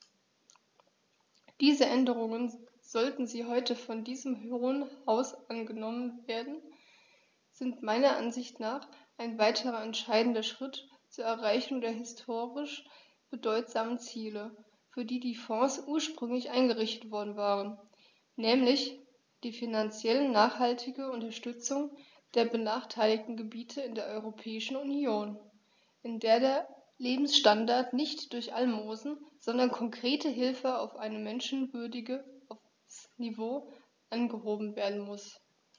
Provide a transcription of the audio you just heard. Diese Änderungen, sollten sie heute von diesem Hohen Haus angenommen werden, sind meiner Ansicht nach ein weiterer entscheidender Schritt zur Erreichung der historisch bedeutsamen Ziele, für die die Fonds ursprünglich eingerichtet worden waren, nämlich die finanziell nachhaltige Unterstützung der benachteiligten Gebiete in der Europäischen Union, in der der Lebensstandard nicht durch Almosen, sondern konkrete Hilfe auf ein menschenwürdiges Niveau angehoben werden muss.